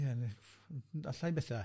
Ie, allai'n bythau.